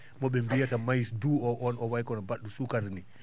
moɓe biyata "mais" doux o on o way kono baɗɗo sukara ni